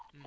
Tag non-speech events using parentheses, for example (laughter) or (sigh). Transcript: (hesitation)